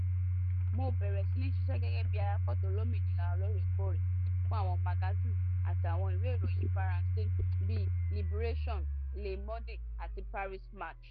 Mo bẹ̀rẹ̀ sí ní ṣisẹ́ gẹ́gẹ́ bíi ayafọ́tò olómìnira lóòrèkóòrè fún àwọn magasíìnì àti àwọn ìwé ìròyìn Faransé, bíi Libération, Le Monde, àti Paris Match.